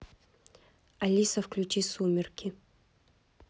алиса включи сумерки